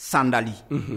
Sandali